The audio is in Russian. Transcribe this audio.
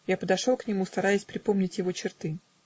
Я подошел к нему, стараясь припомнить его черты.